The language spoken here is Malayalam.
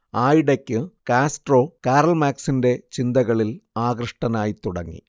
ആയിടക്ക് കാസ്ട്രോ കാറൽ മാർക്സിന്റെ ചിന്തകളിൽ ആകൃഷ്ടനായിത്തുടങ്ങി